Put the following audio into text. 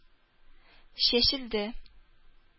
Чәчелде